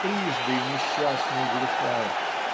трижды несчастный глухарь.